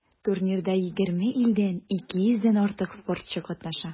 Турнирда 20 илдән 200 дән артык спортчы катнаша.